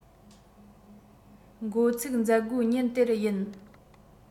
འགོ ཚུགས མཛད སྒོའི ཉིན དེར ཡིན